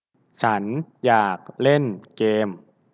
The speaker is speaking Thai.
ฉันอยากเล่นเกม